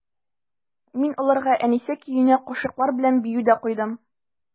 Мин аларга «Әнисә» көенә кашыклар белән бию дә куйдым.